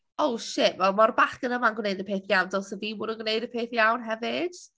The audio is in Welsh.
"Oh shit fel mae'r bachgen yma'n gwneud y peth iawn dylse fi bod yn gwneud y peth iawn hefyd".